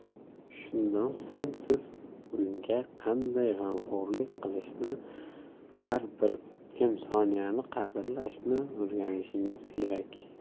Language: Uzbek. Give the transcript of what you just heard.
shundan so'ng siz unga qanday g'amxo'rlik qilishni har bir o'tgan soniyani qadrlashni o'rganishingiz kerak